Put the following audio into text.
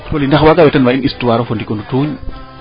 Coly ndax waaga wetanooxa in histoire of o ndiko ndutuuñ